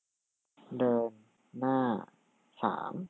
เดินหน้าสาม